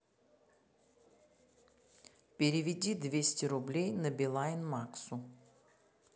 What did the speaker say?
переведи двести рублей на билайн максу